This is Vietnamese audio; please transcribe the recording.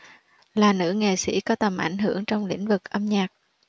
là nữ nghệ sĩ có tầm ảnh hưởng trong lĩnh vực âm nhạc